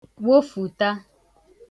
wofùta